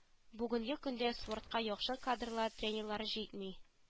Бүгенге көндә спортка яхшы кадрлар тренерлар җитми